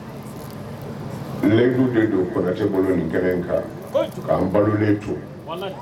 Layidu de don <INCOMPREHENSIBLE nin kɛnɛ in kan kojugu k'an balolen to walahi